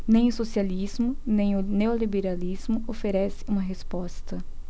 nem o socialismo nem o neoliberalismo oferecem uma resposta